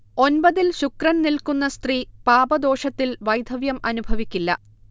ഒൻപതിൽ ശുക്രൻ നിൽക്കുന്ന സ്ത്രീ പാപദോഷത്തിൽ വൈധവ്യം അനുഭവിക്കില്ല